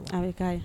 A bɛ ka ye